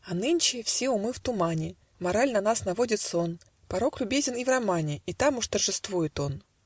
А нынче все умы в тумане, Мораль на нас наводит сон, Порок любезен - и в романе, И там уж торжествует он.